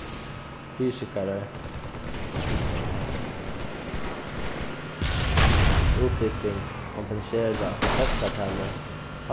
fysikarar útbúgving kompensera fólkatalið